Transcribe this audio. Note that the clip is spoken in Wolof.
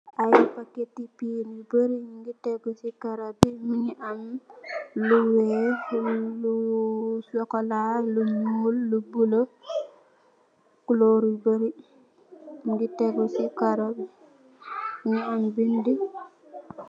Aye packet ti pin yu bari mungi teguh si karo bi mungi am lu weex lu nyul lu chocola lu bulah couleur yu bari mungi teguh si karo bi mungi am bind ndih.